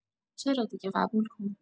چرا دیگه، قبول کن!